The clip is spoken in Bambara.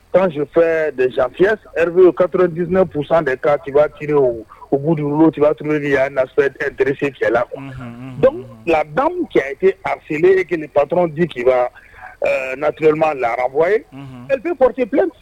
Kan sufɛ dec fiye rizy katodpinapsan de ka tubati u b' olu tiba tun yan nad cɛla la don lada cɛ kɛ afi ka pat di kibaba natima larabɔ ye p psip